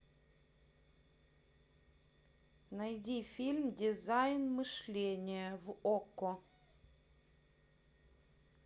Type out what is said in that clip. найди фильм дизайн мышления в окко